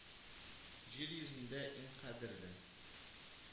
Җир йөзендә иң кадерле